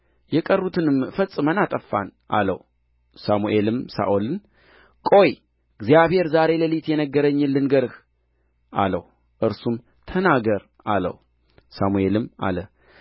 የቀሩትንም ፈጽመን አጠፋን አለው ሳሙኤልም ሳኦልን ቆይ እግዚአብሔር ዛሬ ሌሊት የነገረኝን ልንገርህ አለው እርሱም ተናገር አለው ሳሙኤልም አለ